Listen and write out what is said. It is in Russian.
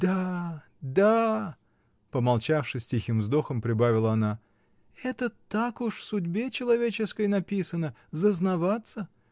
Да, да, — помолчавши, с тихим вздохом, прибавила она, — это так уж в судьбе человеческой написано — зазнаваться.